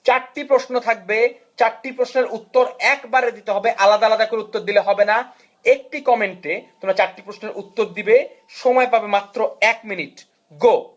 চারটি প্রশ্ন থাকবে চারটি প্রশ্নের উত্তর একবারে দিতে হবে আলাদা আলাদা করে উত্তর দিলে হবে না একটি কমেন্টে তোমরা চারটি প্রশ্নের উত্তর দিবে সময় পাবে মাত্র এক মিনিট গো